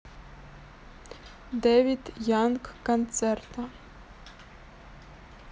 david young концерта